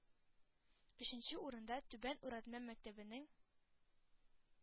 Өченче урында – Түбән Уратма мәктәбенең